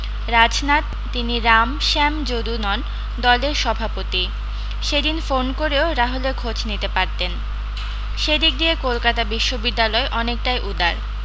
রাজনাথ তিনি রাম শ্যাম যদু নন দলের সভাপতি সে দিন ফোন করেও রাহুলের খোঁজ নিতে পারতেন সে দিক দিয়ে কলকাতা বিশ্ববিদ্যালয় অনেকটাই উদার